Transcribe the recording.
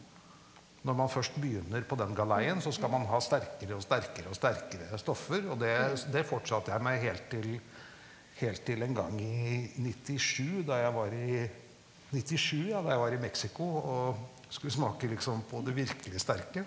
når man først begynner på den galeien så skal man ha sterkere og sterkere og sterkere stoffer, og det det fortsatte jeg meg helt til helt til en gang i 97 da jeg var i 97 ja da jeg var i Mexico og skulle smake liksom på det virkelig sterke.